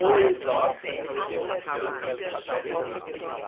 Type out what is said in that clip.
Oedd o yn cael ei hontio gan ysbryd ei gi.